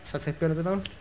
Oes 'na atebion yn dod i fewn?